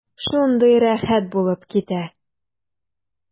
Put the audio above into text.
Шундый рәхәт булып китә.